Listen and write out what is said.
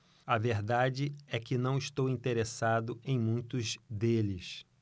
a verdade é que não estou interessado em muitos deles